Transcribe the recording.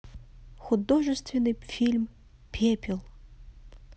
художественный фильм пепел